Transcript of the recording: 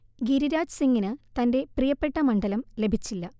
ഗിരിരാജ് സിംഗിന് തൻറെ പ്രിയപ്പെട്ട മണ്ഡലം ലഭിച്ചില്ല